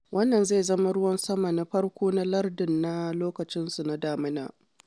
Wannan zai zama ruwan sama na farko na lardin na lokacinsu na damuna.